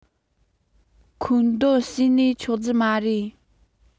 མཁོ འདོན བྱེད ནུས ཆགས ཀྱི མ རེད